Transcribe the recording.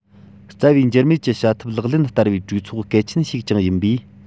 རྩ བའི འགྱུར མེད ཀྱི བྱ ཐབས ལག ལེན བསྟར བའི གྲོས ཚོགས གལ ཆེན ཞིག ཀྱང ཡིན པས